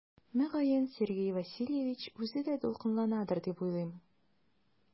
Мөгаен Сергей Васильевич үзе дә дулкынланадыр дип уйлыйм.